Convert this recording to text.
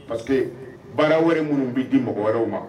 _Parce que baara wɛrɛ minnu bi di mɔgɔ wɛrɛw ma